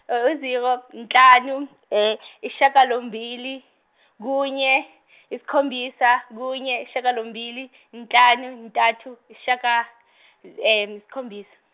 u- zero nhlanu isishagalombili, kunye, yisikhombisa kunye isishagalombili nhlanu ntathu isishaga- isikhombisa.